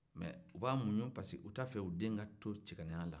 mɛ u b'a muɲu pariseke u t'a fɛ u den ka to cɛgananya la